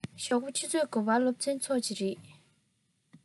ཞོགས པ ཆུ ཚོད དགུ པར སློབ ཚན ཚུགས ཀྱི ཡོད རེད